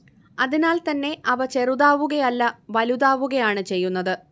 അതിനാൽത്തന്നെ അവ ചെറുതാവുകയല്ല വലുതാവുകയാണ് ചെയ്യുന്നത്